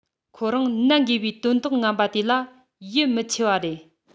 ཁོ རང ནད འགོས པའི དོན དག ངན པ དེ ལ ཡིད མི ཆེས པ རེད